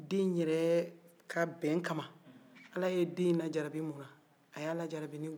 a y'a lajarabi ni dɔlɔ de ye